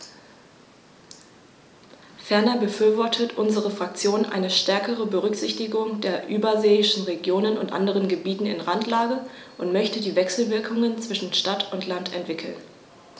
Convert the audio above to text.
Ferner befürwortet unsere Fraktion eine stärkere Berücksichtigung der überseeischen Regionen und anderen Gebieten in Randlage und möchte die Wechselwirkungen zwischen Stadt und Land entwickeln.